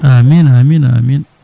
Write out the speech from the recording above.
amine amine amine